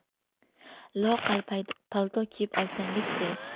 loaqal palto kiyib olsangiz chi